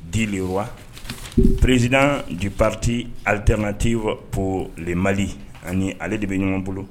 Di wa prezd bipti alitti p le mali ani ale de bɛ ɲɔgɔn bolo